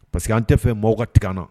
Parce que an tɛ fɛ mɔgɔw ka tigɛ an na.